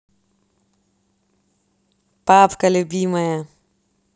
папка любимая